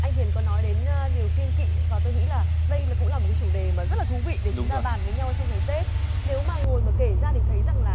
anh hiền có nói đến điều kiêng kỵ và tôi nghĩ là đây là cũng là một cái chủ đề mà rất là thú vị để chúng ta bàn với nhau trong ngày tết nếu mà ngồi mà kể ra thì thấy rằng là